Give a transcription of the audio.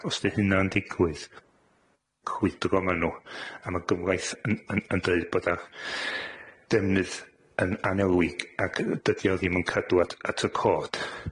Os 'di hynna'n digwydd, crwydro ma' nw, a ma' gyfraith yn yn yn deud bod y defnydd yn annelwig, ac dydi o ddim yn cadw at at y cod.